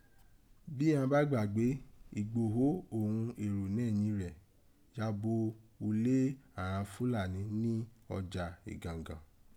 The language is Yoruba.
Bí àn án bá gbàgbé, Igboho oghun ero nẹ̀yìn rẹ̀ ya bò ulé àghan Fulani ni ọjà Igangan.